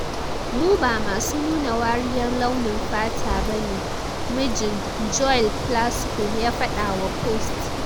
mu ba masu nuna wariyar launin fata bane, “mijin Joel Plasco ya fadawa Post.